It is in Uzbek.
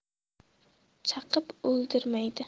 chaqib o'ldirmaydi